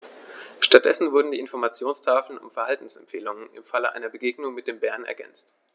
Stattdessen wurden die Informationstafeln um Verhaltensempfehlungen im Falle einer Begegnung mit dem Bären ergänzt.